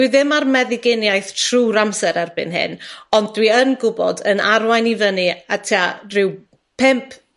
dwi ddim ar meddyginiaeth trw'r amser erbyn hyn, ond dwi yn gwbod yn arwain i fyny a tua ryw pump